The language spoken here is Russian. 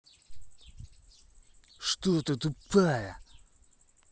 что ты тупая